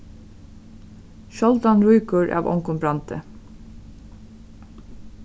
sjáldan rýkur av ongum brandi